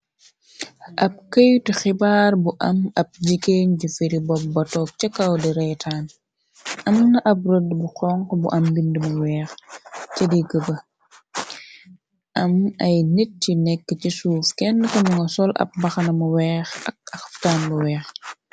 Ab këytu xibaar bu am ab jikéen ju firi bob ba toog ca kaw di reytaan, amna ab rëd bu xonxu bu am bind mu weex ca dig ba, am ay nit ci nekk ci suuf kenn ko mu nga sol ab baxanamu weex ak axaftaan bu weex.